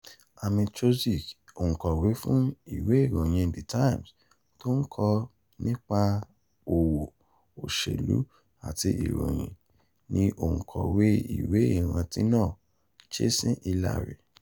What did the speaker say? Amy Chozick, òǹkọ̀wé fún ìwé ìròyìn The Times tó ń kọ nípa òwò, òṣèlú àti ìròyìn, ni òǹkọ̀wé ìwé ìrántí náà "Chasing Hillary".